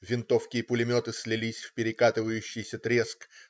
Винтовки и пулеметы слились в перекатывающийся треск.